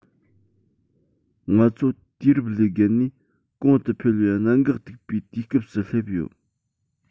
ང ཚོ དུས རབས ལས བརྒལ ནས གོང དུ འཕེལ བའི གནད འགག ཐུག པའི དུས སྐབས སུ སླེབས ཡོད